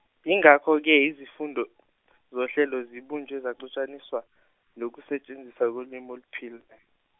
yingakho ke izifundo zohlelo zibunjwe zaxutshaniswa, nokusetshenziswa kolimi oluphilay-.